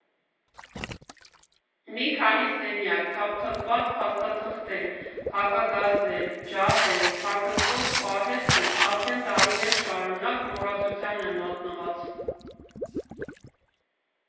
Մի քանի սենյակ, թափթփված փաստաթղթեր, հակագազեր, ջահեր՝ թաքստոց֊պահեստն արդեն տարիներ շարունակ մոռացության է մատնված։